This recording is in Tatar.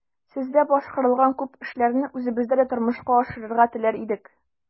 Сездә башкарылган күп эшләрне үзебездә дә тормышка ашырырга теләр идек.